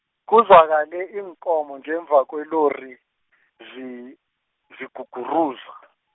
kuzwakale iinkomo ngemva kwelori, zi- ziguguruza .